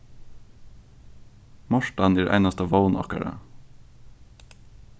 mortan er einasta vón okkara